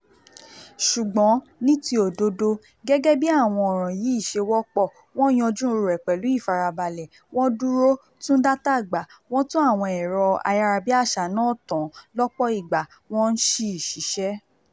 Ṣùgbọ́n ní ti òdodo, gẹ́gẹ́ bí àwọn ọ̀ràn yìí ṣe wọ́pọ̀, wọ́n yanjú rẹ̀ pẹ̀lú ìfarabalẹ̀, wọ́n dúró, tún dátà gbà, wọ́n tún àwọn ẹ̀rọ ayárabíàsá náà tàn lọ́pọ̀ ìgbà, wọ́n sì ṣiṣẹ́.